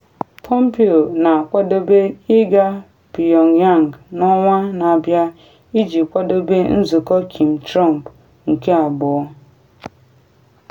Pompeo na akwadobe ịga Pyongyang n’ọnwa na abịa iji kwadobe nzụkọ Kim-Trump nke abụọ.